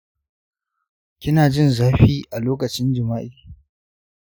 kina jin zafi a lokacin jima’i?